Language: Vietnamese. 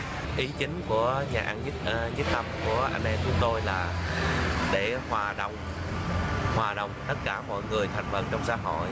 ý chính của nhà ăn nhất tâm của anh em chúng tôi là để hòa đông hòa đồng tất cả mọi người thành phần trong xã hội